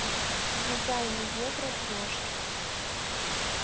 дизайн евро трешки